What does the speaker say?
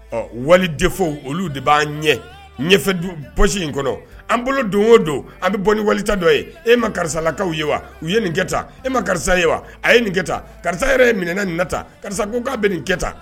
Ɔ wali de olu de b'an ɲɛ ɲɛfɛ psi in kɔnɔ an bolo don o don an bɛ bɔ ni wali ta dɔ ye e ma karisalakaw ye wa u ye nin kɛta e ma karisa ye wa a ye nin kɛta karisa yɛrɛ ye minɛ nin na ta karisa ko' bɛ nin kɛta